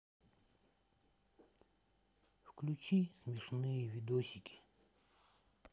включи смешные видосики